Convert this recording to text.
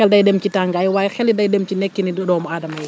xel day dem ci tàngaay waaye xel it day day dem ci nekkinu doomu aadama yi